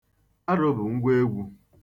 Aro bụ ngwa egwu.